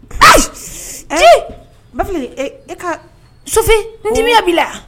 Ee ba e ka sofin dimiya bila la